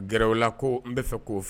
Gw la ko n bɛ fɛ'o fɛ